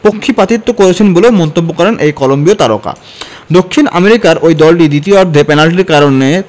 পক্ষিপাতিত্ব করেছেন বলেও মন্তব্য করেন এই কলম্বিয় তারকা দক্ষিণ আমেরিকার ওই দলটি দ্বিতীয়ার্ধের পেনাল্টির কারণে